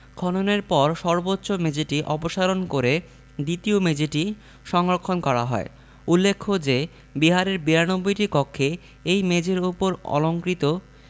খননের পর সর্বোচ্চ মেঝেটি অপসারণ করে দ্বিতীয় মেঝেটি সংরক্ষণ করা হয় উল্লেখ্য যে বিহারের ৯২টি কক্ষে এই মেঝের উপর অলংকৃত